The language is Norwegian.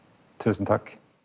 tusen takk.